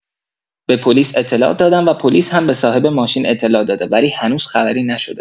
به پلیس اطلاع دادم و پلیس هم به صاحب ماشین اطلاع داده ولی هنوز خبری نشده.